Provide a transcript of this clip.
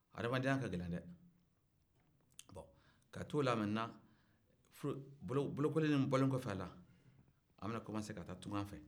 hadamadenya ka gɛlɛn de ka to la mɛntenan bolokoli bɔlen in bolen kɔf'a la an bɛna komanse ka taa tungafɛ